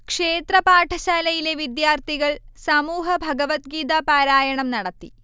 ക്ഷേത്ര പാഠശാലയിലെ വിദ്യാർഥികൾ സമൂഹ ഭഗവദ്ഗീത പാരായണം നടത്തി